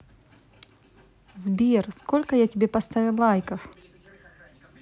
сбер сколько я тебе поставил лайков